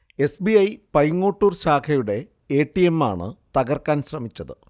S. B. I. Paingottoor ശാഖയുടെ A. T. എമ്മാണ് തകർക്കാൻ ശ്രമിച്ചത്